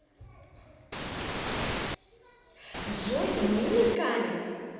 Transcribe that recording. джонни милый камин